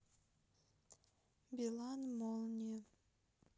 билан молния